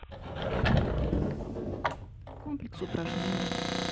комплекс упражнений